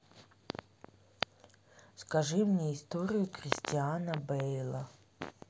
скажи мне историю кристиана бейла